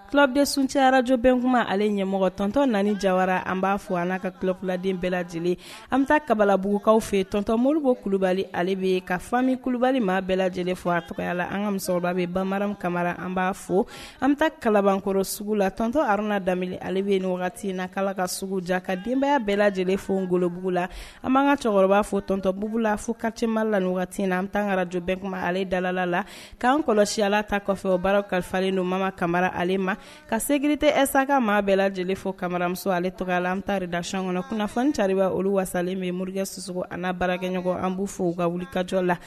Filabuncɛ arajɔbɛnkuma ale ɲɛmɔgɔ tɔntɔn4 jayara an b'a fɔ an ka kiladen bɛɛ lajɛlen an bɛ taa kababalaugukaw fɛ tɔntɔn moriko kubali ale bɛ ka fɔmi kubali maa bɛɛ lajɛlen fɔ a tɔgɔya la an ka musokɔrɔba bɛ baman kamara an b'a fɔ an bɛ taa kalabankɔrɔ sugu la tɔntɔn aruna daminɛ ale bɛ yen wagati na' ka sugu ja ka denbaya bɛɛ lajɛlen f n golobugu la an'an ka cɛkɔrɔba fɔ tɔntɔnbula fo katɛma la wagati na an tankararajbɛnkuma ale dalala la k'an kɔlɔsi ala ta kɔfɛ o baara kalifa uomama kamara ale ma ka seegiririte essa maa bɛɛ lajɛlen fo kamaramuso ale tɔgɔ la an tari daykɔnɔ kunnafoni ca olu wasalen bɛ morikɛ sosos an baarakɛɲɔgɔn anbu fɔ u ka wulikajɔ la